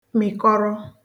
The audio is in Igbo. mị̀kọrọ